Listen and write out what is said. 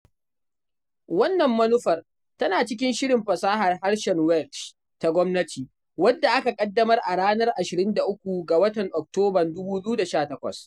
Wannan manufar tana cikin Shirin Fasahar Harshen Welsh ta gwamnati, wadda aka ƙaddamar a ranar 23 ga watan Oktoban 2018.